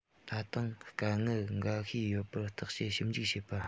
ད དུང དཀའ ངལ འགའ ཤས ཡོད པར བརྟག དཔྱད ཞིབ འཇུག བྱེད པ